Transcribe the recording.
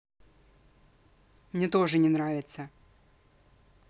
мне тоже не нравится